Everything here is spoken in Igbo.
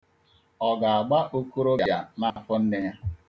Ọ ga-agba okorobịa n'afọ nne ya?